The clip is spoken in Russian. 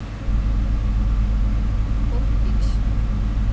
поп пикси